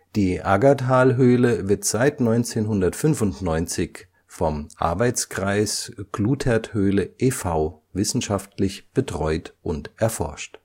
Die Aggertalhöhle wird seit 1995 vom Arbeitskreis Kluterthöhle e. V. wissenschaftlich betreut und erforscht